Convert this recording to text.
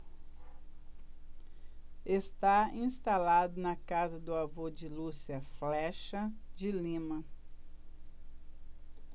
está instalado na casa do avô de lúcia flexa de lima